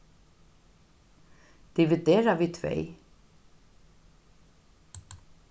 dividera við tvey